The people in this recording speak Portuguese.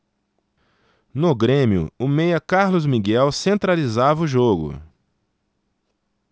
no grêmio o meia carlos miguel centralizava o jogo